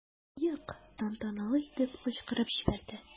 "мыек" тантаналы итеп кычкырып җибәрде.